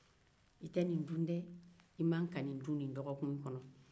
i man kan ka nin dun nin dɔgɔkun kɔnɔ